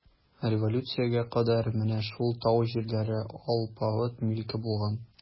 Революциягә кадәр менә шул тау җирләре алпавыт милке булган.